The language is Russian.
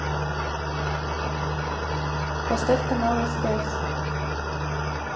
поставь канал стс